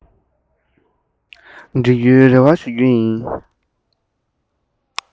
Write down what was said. འབྲི རྒྱུའི རེ བ ཞུ རྒྱུ ཡིན